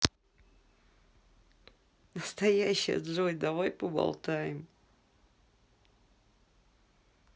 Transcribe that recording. настоящая джой давай поболтаем